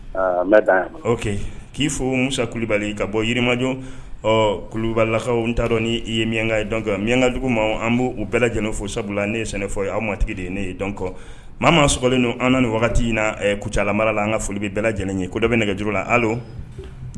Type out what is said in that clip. K'i fo musa kulubali ka bɔ yirimaj ɔ kulubalilakaww n ta dɔn ni i ye miyanka ye dɔn miyanka jugu ma an b' u bɛɛ lajɛlen fo sabula ne ye sɛnɛfɔ ye aw matigi de ye ne ye dɔn kɔ maa ma sogolen don an ni wagati in ku cala mara la an ka foli bɛ bɛɛ lajɛlen ye ko dɔ bɛ ne kɛ jugu la hali